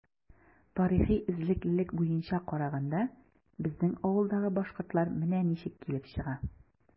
Тарихи эзлеклелек буенча караганда, безнең авылдагы “башкортлар” менә ничек килеп чыга.